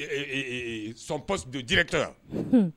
Sanpsi jiri ta la